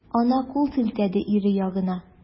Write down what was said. Ана кул селтәде ире ягына.